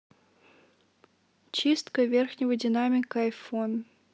чистка верхнего динамика iphone